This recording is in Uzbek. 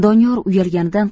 doniyor uyalganidan